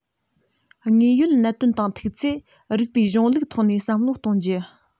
དངོས ཡོད གནད དོན དང ཐུག ཚེ རིགས པའི གཞུང ལུགས ཐོག ནས བསམ བློ གཏོང རྒྱུ